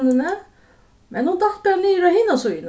men hon datt bara niður á hina síðuna